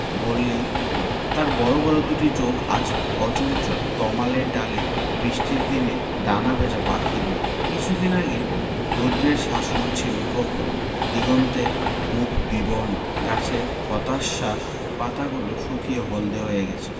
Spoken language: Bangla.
বললেই হয় তার বড় বড় দুটি চোখ আজ অচঞ্চল তমালের ডালে বৃষ্টির দিনে ডানা ভেজা পাখির মত কিছুদিন আগে রৌদ্রের শাসন ছিল প্রখর দিগন্তের মুখ বিবর্ণ গাছের হতাশ্বাস পাতাগুলো শুকিয়ে হলদে হয়ে গেছে